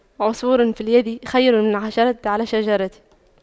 عصفور في اليد خير من عشرة على الشجرة